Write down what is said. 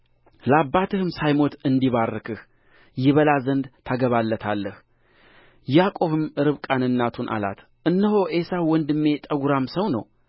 ለአባትህም ሳይሞት እንዲባርክህ ይበላ ዘንድ ታገባለታለህ ያዕቆብም ርብቃን እናቱን አላት እነሆ ዔሳው ወንድሜ ጠጕራም ሰው ነው